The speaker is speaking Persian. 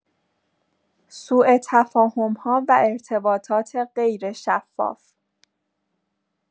سوء‌تفاهم‌ها و ارتباطات غیرشفاف